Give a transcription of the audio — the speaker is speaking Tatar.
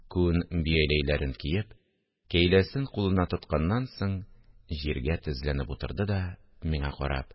Күн бияләйләрен киеп, кәйләсен кулына тотканнан соң, җиргә тезләнеп утырды да, миңа карап